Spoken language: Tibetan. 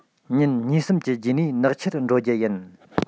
ཉིན གཉིས གསུམ གྱི རྗེས ནས ནག ཆུར འགྲོ རྒྱུ ཡིན